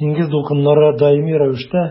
Диңгез дулкыннары даими рәвештә